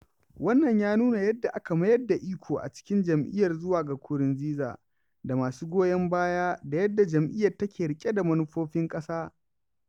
Wannan ya nuna yadda aka mayar da iko a cikin jam'iyyar zuwa ga Nkurunziza da masu goyon baya, da yadda jam'iyyar take riƙe da manufofin ƙasa.